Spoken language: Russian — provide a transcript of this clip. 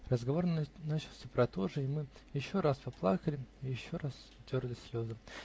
Разговор начался про то же, и мы еще раз поплакали и еще раз утерли слезы.